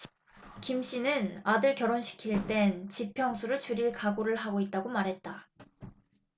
김씨는 아들 결혼시킬 땐 집 평수를 줄일 각오를 하고 있다고 말했다